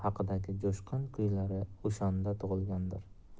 haqidagi jo'shqin kuylari o'shanda tug'ilgandir